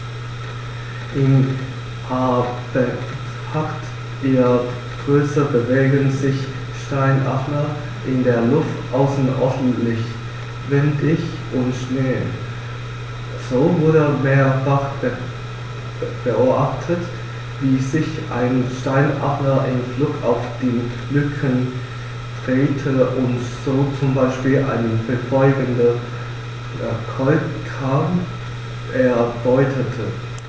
In Anbetracht ihrer Größe bewegen sich Steinadler in der Luft außerordentlich wendig und schnell, so wurde mehrfach beobachtet, wie sich ein Steinadler im Flug auf den Rücken drehte und so zum Beispiel einen verfolgenden Kolkraben erbeutete.